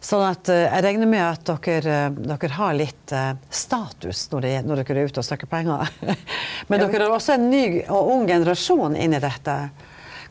sånn at eg reknar med at dokker dokker har litt status når det når dokker er ute og søker pengar , men dokker har også ein ny og ung generasjon inn i dette.